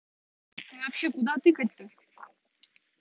вообще куда тыкать то